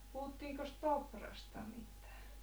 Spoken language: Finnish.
puhuttiinkos Toprasta mitään